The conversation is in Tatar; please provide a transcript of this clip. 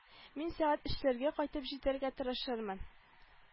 Мин сәгать өчләргә кайтып җитәргә тырышырмын